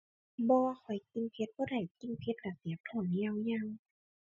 บ่ ข้อยกินเผ็ดบ่ได้ กินเผ็ดก็แสบท้องยาวยาว